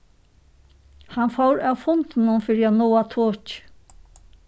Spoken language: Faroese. hann fór av fundinum fyri at náa tokið